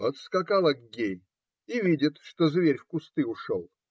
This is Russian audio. Подскакал Аггей и видит, что зверь в кусты ушел.